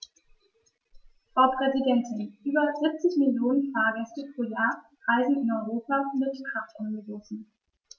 Frau Präsidentin, über 70 Millionen Fahrgäste pro Jahr reisen in Europa mit Kraftomnibussen.